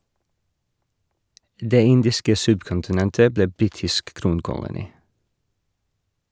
Det indiske subkontinentet ble britisk kronkoloni.